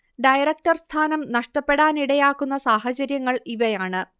director സ്ഥാനം നഷ്ടപ്പെടാനിടയാക്കുന്ന സാഹചര്യങ്ങൾ ഇവയാണ്